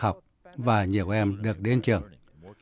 học và nhiều em được đến trường